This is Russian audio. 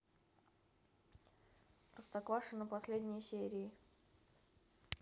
простоквашино последние серии